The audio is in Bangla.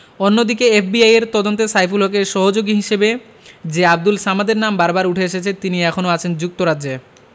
অন্যদিকে এফবিআইয়ের তদন্তে সাইফুল হকের সহযোগী হিসেবে যে আবদুল সামাদের নাম বারবার উঠে এসেছে তিনি এখনো আছেন যুক্তরাজ্যে